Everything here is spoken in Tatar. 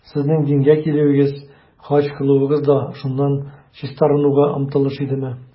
Сезнең дингә килүегез, хаҗ кылуыгыз да шуннан чистарынуга омтылыш идеме?